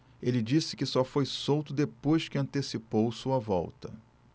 ele disse que só foi solto depois que antecipou sua volta